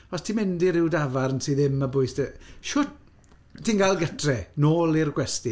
Os ti'n mynd i ryw dafarn sydd ddim ar bwys dy... Shwt ti'n gael gytre, nôl i'r gwesty?